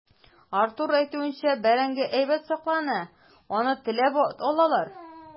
Артур әйтүенчә, бәрәңге әйбәт саклана, аны теләп алалар.